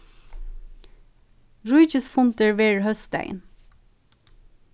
ríkisfundur verður hósdagin